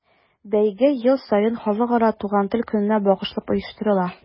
Бәйге ел саен Халыкара туган тел көненә багышлап оештырыла.